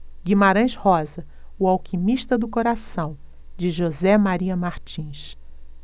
guimarães rosa o alquimista do coração de josé maria martins